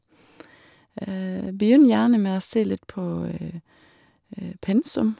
Begynn gjerne med å se litt på pensum.